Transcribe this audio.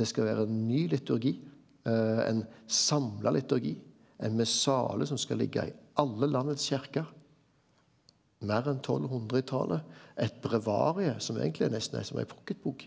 det skal vere ein ny liturgi ein samla liturgi ein missale som skal ligga i alle landets kyrkjer meir enn 1200 i talet eit breviarie som eigentleg er nesten er som ei pocketbok